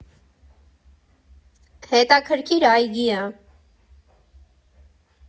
Հետաքրքիր այգի ա։